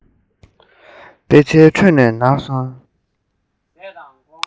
དཔེ ཆའི ཁྲོད ནས ནར སོན